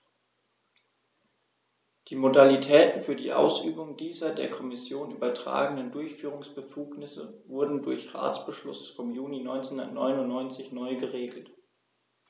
Die Modalitäten für die Ausübung dieser der Kommission übertragenen Durchführungsbefugnisse wurden durch Ratsbeschluss vom Juni 1999 neu geregelt.